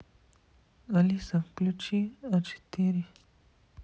алиса включи а четыре